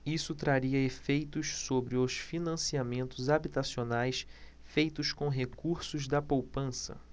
isso traria efeitos sobre os financiamentos habitacionais feitos com recursos da poupança